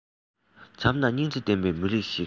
བྱམས དང སྙིང རྗེ ལྡན པའི མི རིགས ཤིག